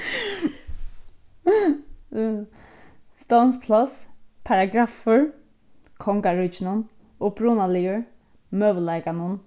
stovnspláss paragraffur kongaríkinum upprunaligur møguleikanum